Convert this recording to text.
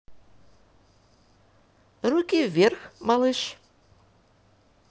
руки вверх малыш